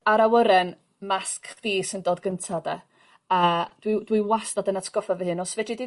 Ar awyren masg chdi di sy'n dod gynta 'de a dwi dwi wastod yn atgoffa fy hyn os fedri di